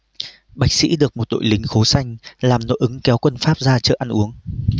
bạch xĩ được một đội lính khố xanh làm nội ứng kéo quân pháp ra chợ ăn uống